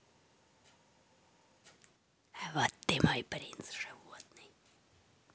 вот ты мой принц животный